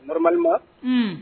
Bamama